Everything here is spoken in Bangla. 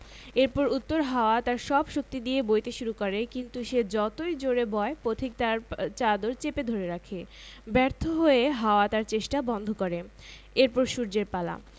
সেটাকে বুঝিয়ে দেওয়া যাক যে ভেড়াটাকে খাওয়ার ব্যাপারটা নেকড়ের হক এর মধ্যেই পড়ে সে ভেড়াটাকে বলল এই যে মশাই গেল সনে আপনি আমাকে বিস্তর অপমান করেছিলেন